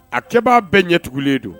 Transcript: Akɛba bɛɛ ɲɛ tugunlen don